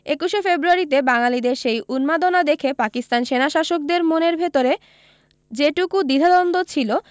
২১শে ফেব্র য়ারিতে বাঙালিদের সেই উন্মাদনা দেখে পাকিস্তান সেনাশাসকদের মনের ভেতরে যেটুকু দ্বিধাদ্বন্দ্ব ছিল